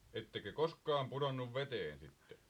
ettekö koskaan pudonnut veteen sitten